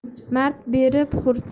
mard berib xursand